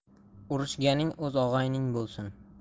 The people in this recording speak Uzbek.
urishganing o'z og'ayning bo'lsin